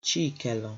Chikelu